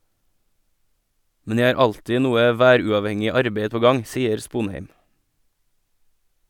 Men jeg har alltid noe væruavhengig arbeid på gang, sier Sponheim.